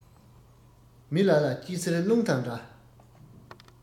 མི ལ ལ སྐྱི བསེར རླུང དང འདྲ